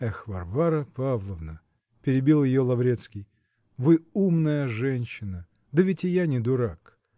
-- Эх, Варвара Павловна, -- перебил ее Лаврецкий, -- вы умная женщина, да ведь и я не дурак